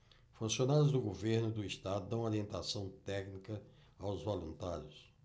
funcionários do governo do estado dão orientação técnica aos voluntários